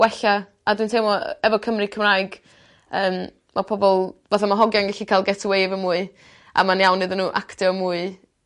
wella a dwi'n teiml yy efo Cymry Cymraeg yym ma' pobol fatha ma' hogiau'n gallu ca'l get away efo mwy. a mae'n iawn iddyn n'w actio mwy